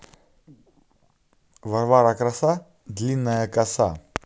варвара краса длинная коса